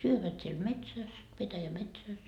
syövät siellä metsässä petäjämetsässä